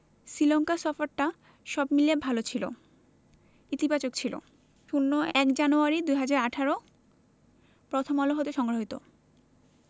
শ্রীলঙ্কা সফরটা সব মিলিয়ে ভালো ছিল ইতিবাচক ছিল ০১ জানুয়ারি ২০১৮ প্রথম আলো হতে সংগৃহীত